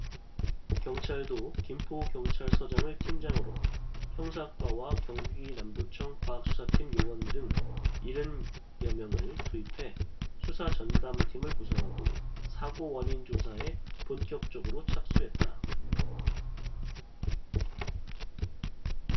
경찰도 김포경찰서장을 팀장으로 형사과와 경기남부청 과학수사팀 요원 등 일흔 여명을 투입해 수사 전담팀을 구성하고 사고 원인 조사에 본격적으로 착수했다